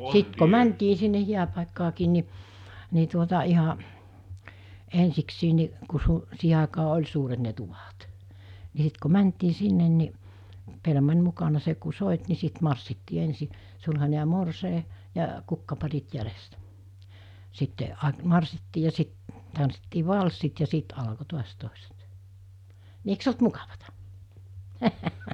sitten kun mentiin sinne hääpaikkaakin niin niin tuota ihan ensiksikin niin kun - siihen aikaan oli suuret ne tuvat niin sitten kun mentiin sinne niin pelimanni mukana se kun soitti niin sitten marssittiin ensin sulhanen ja morsian ja kukkaparit jäljestä sitten - marssittiin ja sitten tanssittiin valssit ja siitä alkoi taas toiset niin eikös ollut mukavaa